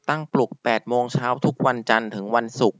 ตั้งปลุกแปดโมงเช้าทุกวันจันทร์ถึงวันศุกร์